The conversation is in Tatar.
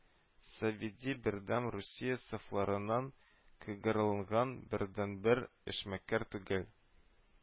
Саввиди Бердәм Русия сафларыннан чкайгырылган бердәнбер эшмәкәр түгел